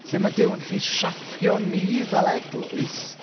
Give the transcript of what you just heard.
Sut ma' Duw yn gallu siapio ni fel eglwys.